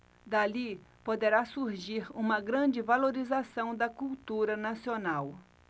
dali poderá surgir uma grande valorização da cultura nacional